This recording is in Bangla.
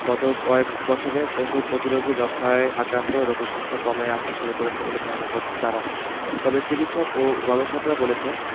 গত কয়েক বছরে ওষুধ প্রতিরোধী যক্ষ্মায় আক্রান্ত রোগীর সংখ্যা কমে আসতে শুরু করেছে বলে ধারণা করছেন তারা তবে চিকিৎসক ও গবেষকরা বলছেন